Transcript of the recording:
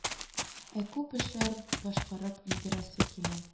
Ә күп эшләр башкарып өлгерәсе килә